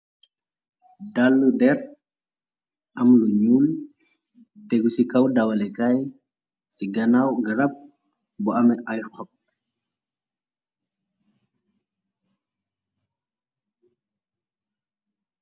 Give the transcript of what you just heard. Dallu der am lu ñuul tégu ci kaw dawalé kay ci ganaw garab bu ameh ay xop.